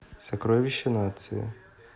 сокровище нации